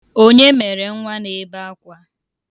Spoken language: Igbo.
Onye mere nwa na-ebe akwa?